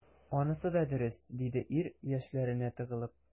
Анысы да дөрес,— диде ир, яшьләренә тыгылып.